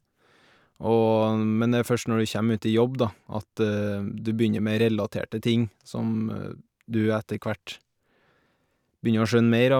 og Men det er først når du kjem ut i jobb, da, at du begynner med relaterte ting som du etterhvert begynner å skjønne mer av.